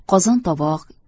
qozon tovoq